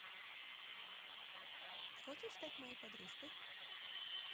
хочешь стать моей подружкой